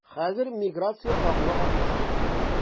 Хәзер миграция агымы артачак.